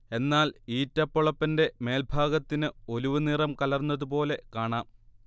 എന്നാൽ ഈറ്റ പൊളപ്പന്റെ മേൽഭാഗത്തിന് ഒലിവ് നിറം കലർന്നതുപോലെ കാണാം